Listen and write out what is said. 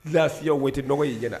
Lafiya wo tɛ dɔgɔ y' ɲɛna